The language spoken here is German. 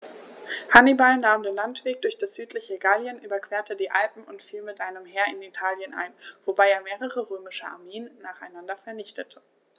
Hannibal nahm den Landweg durch das südliche Gallien, überquerte die Alpen und fiel mit einem Heer in Italien ein, wobei er mehrere römische Armeen nacheinander vernichtete.